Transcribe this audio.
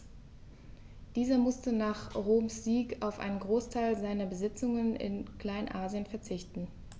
Dieser musste nach Roms Sieg auf einen Großteil seiner Besitzungen in Kleinasien verzichten.